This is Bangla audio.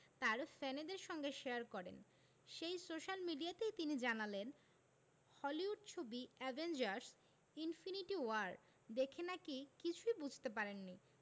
তার ফ্যানেদের সঙ্গে শেয়ার করেন সেই সোশ্যাল মিডিয়াতেই তিনি জানালেন হলিউড ছবি অ্যাভেঞ্জার্স ইনফিনিটি ওয়ার দেখে নাকি কিছুই বুঝতে পারেননি